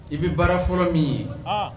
I bɛ baara fɔlɔ min ye